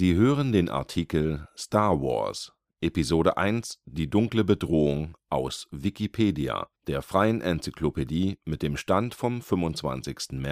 hören den Artikel Star Wars: Episode I – Die dunkle Bedrohung, aus Wikipedia, der freien Enzyklopädie. Mit dem Stand vom Der